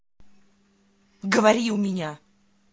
говори у меня